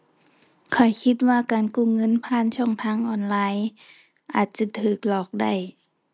ข้อยคิดว่าการกู้เงินผ่านช่องทางออนไลน์ อาจจะถูกหลอกได้